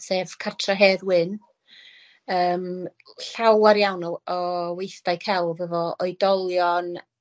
sef cartre Hedd Wyn. Yym llawar iawn o w- o weithdai celf efo oedolion